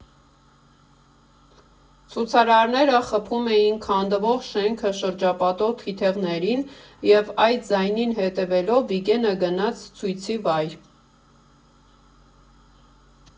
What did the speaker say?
Ցուցարարները խփում էին քանդվող շենքը շրջապատող թիթեղներին, և այդ ձայնին հետևելով՝ Վիգէնը գնաց ցույցի վայր։